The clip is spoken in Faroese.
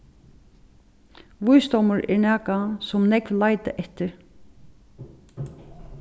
vísdómur er nakað sum nógv leita eftir